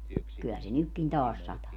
kyllä se nytkin taas sataa